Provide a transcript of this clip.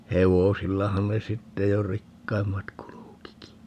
hevosillahan ne sitten jo rikkaimmat kulkikin